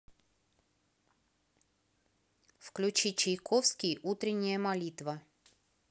включи чайковский утренняя молитва